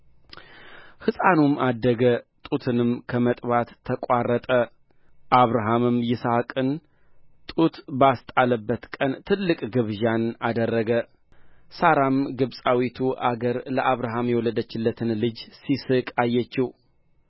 ሕፃኑም አደገ ጡትንም ከመጥባት ተቋረጠ አብርሃምም ይስሐቅን ጡት ባስጣለበት ቀን ትልቅ ግብዣን አደረገ ሣራም ግብፃዊቱ አጋር ለአብርሃም የወለደችለትን ልጅ ሲስቅ አየችው